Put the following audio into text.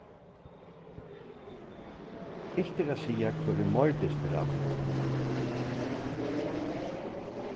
ilt er at siga hvør er meir desperatur